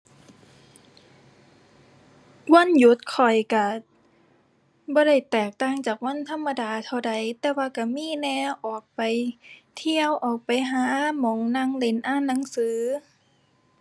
วันหยุดข้อยก็บ่ได้แตกต่างจากวันธรรมดาเท่าใด แต่ว่าก็มีแหน่ ออกไปเที่ยว ออกไปหาหม้องนั่งเล่น อ่านหนังสือ